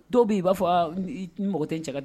To b i b'a fɔ mɔgɔ tɛ cɛ ka ten